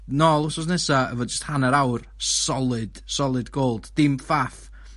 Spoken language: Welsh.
nôl wsnos nesa efo jyst hanner awr, solid, solid gold, dim ffaff